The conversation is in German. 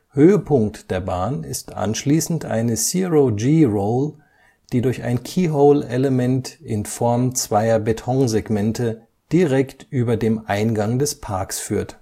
Höhepunkt der Bahn ist anschließend eine Zero-g-Roll, die durch ein Keyhole-Element in Form zweier Betonsegmente direkt über dem Eingang des Parks führt